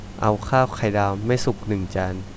เอาข้าวไข่ดาวไม่สุกหนึ่งจาน